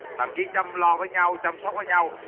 thậm chí chăm lo với nhau chăm sóc với nhau